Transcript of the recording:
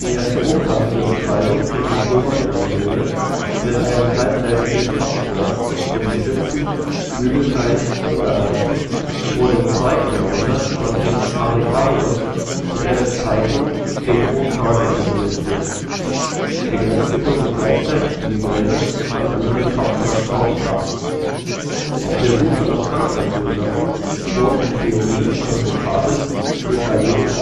erste umfassende Beschreibung der Symptome einer Migräne mit einem halbseitigen Kopfschmerz sowie Schwitzen, Übelkeit und Erbrechen wurde im zweiten Jahrhundert von Aretaios unter der Bezeichnung heterocrania dokumentiert. Er grenzte somit gleichzeitig die Migräne von anderen Kopfschmerzformen ab. Auf der Suche nach einer Ursache für Krankheiten wurden die Theorien von Hippokrates durch Galenos